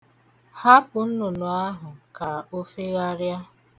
Hapụ nnụnụ ahụ ka o fegharịa.